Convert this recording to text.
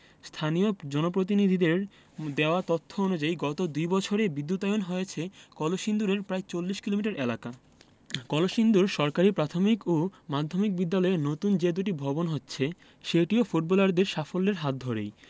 স্থানীয় জনপ্রতিনিধিদের দেওয়া তথ্য অনুযায়ী গত দুই বছরে বিদ্যুতায়ন হয়েছে কলসিন্দুরের প্রায় ৪০ কিলোমিটার এলাকা কলসিন্দুর সরকারি প্রাথমিক ও মাধ্যমিক বিদ্যালয়ে নতুন যে দুটি ভবন হচ্ছে সেটিও ফুটবলারদের সাফল্যের হাত ধরেই